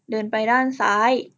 เดินไปด้านซ้าย